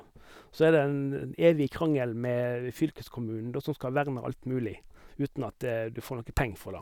Så er det en en evig krangel med Fylkeskommunen, da, som skal verne alt mulig uten at du får noe penger for det.